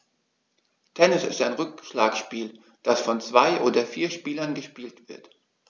Tennis ist ein Rückschlagspiel, das von zwei oder vier Spielern gespielt wird.